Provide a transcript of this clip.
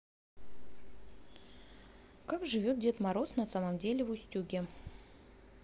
как живет дед мороз на самом деле в устюге